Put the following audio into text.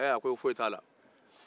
a ko foyi t'a la